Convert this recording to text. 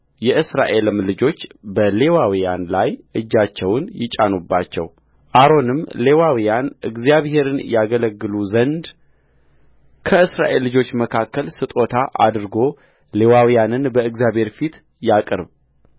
የእስራኤልም ልጆች በሌዋውያን ላይ እጃቸውን ይጫኑባቸውአሮንም ሌዋውያን እግዚአብሔርን ያገለግሉ ዘንድ ከእስራኤል ልጆች መካከል ስጦታ አድርጎ ሌዋውያንን በእግዚአብሔር ፊት ያቅርብ